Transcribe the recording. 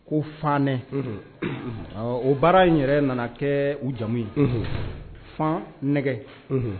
Ko fanɛ o baara in yɛrɛ nana kɛ u jamu ye fan nɛgɛ